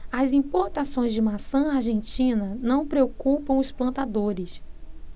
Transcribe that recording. as importações de maçã argentina não preocupam os plantadores